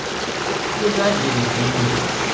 куда делись деньги